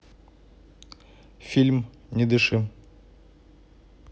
фильм не дыши